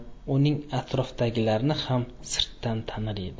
uning atrofidagilarni xam sirtdan tanir edi